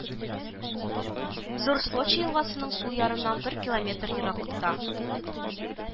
Зур Слоча елгасының сул ярыннан бер километр ераклыкта